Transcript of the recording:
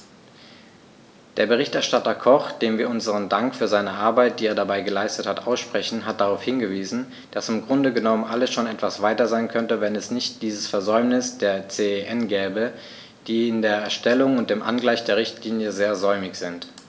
Der Berichterstatter Koch, dem wir unseren Dank für seine Arbeit, die er dabei geleistet hat, aussprechen, hat darauf hingewiesen, dass im Grunde genommen alles schon etwas weiter sein könnte, wenn es nicht dieses Versäumnis der CEN gäbe, die in der Erstellung und dem Angleichen der Richtlinie sehr säumig sind.